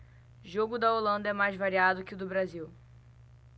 jogo da holanda é mais variado que o do brasil